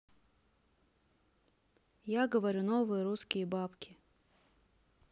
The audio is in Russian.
я говорю новые русские бабки